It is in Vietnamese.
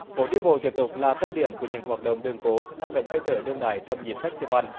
phố đi bộ tiếp tục là tâm điểm của những hoạt động đường phố mang đậm hơi thở đương đại trong dịp phét ti van